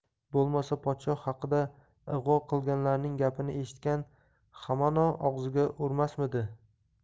bo'lmasa podshoh haqida ig'vo qilganlarning gapini eshitgan hamono og'ziga urmasmidi